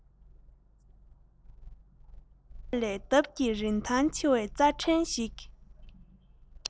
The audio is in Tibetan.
ཚེ སྲོག ལས ལྡབ ཀྱིས རིན ཐང ཆེ བའི རྩྭ ཕྲན ཞིག